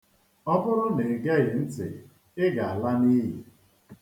Ọ bụrụ na i geghi ntị, ị ga-ala n'iyi.